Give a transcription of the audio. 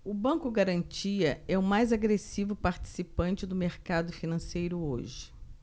o banco garantia é o mais agressivo participante do mercado financeiro hoje